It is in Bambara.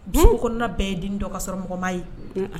Bi kɔnɔna bɛɛ ye den dɔ ka sɔrɔ mɔgɔba ye